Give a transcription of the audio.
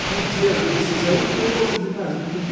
Придерживайся за ухо лошади, Наденька